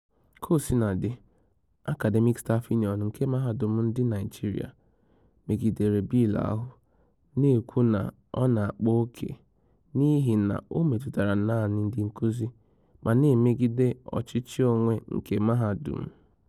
Kaosinadị, Academic Staff Union nke Mahadum ndị Naịjirịa megidere bịịlụ ahụ, na-ekwu na ọ na-akpa ókè n'ihi na o metụtara naanị ndị nkuzi ma na-emegide ọchịchị onwe nke mahadum.